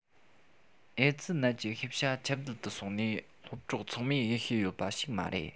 ཨེ ཙི ནད ཀྱི ཤེས བྱ ཁྱབ གདལ དུ སོང ནས སློང གྲོགས ཚང མས ཤེས ཡོད པ ཞིག མ རེད